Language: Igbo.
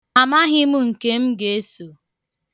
Amaghị m nke m ga-eso.